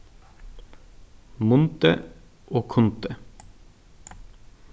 mundi og kundi